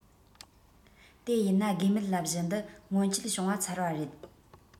དེ ཡིན ན དགོས མེད ལབ གཞི འདི སྔོན ཆད བྱུང བ ཚར བ རེད